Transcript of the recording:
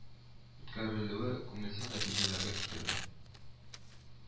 Үткәрелүе күңелсез нәтиҗәләргә китерде